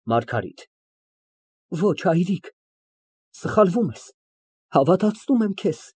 ՄԱՐԳԱՐԻՏ ֊ Ոչ, հայրիկ, սխալվում ես, հավատացնում եմ քեզ։